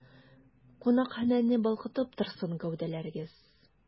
Кунакханәне балкытып торсын гәүдәләрегез!